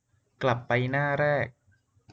กลับไปหน้าแรก